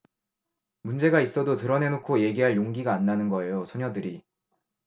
문제가 있어도 드러내놓고 얘기할 용기가 안 나는 거예요 소녀들이